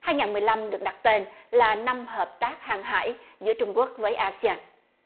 hai ngàn mười lăm được đặt tên là năm hợp tác hàng hải giữa trung quốc với a sê an